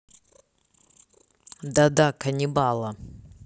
да да каннибала